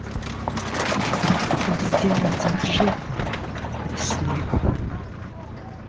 как сделать аджику из сливы